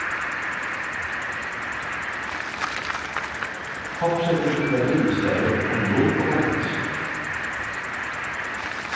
koppsetingin var yvirstaðin upp á null komma niks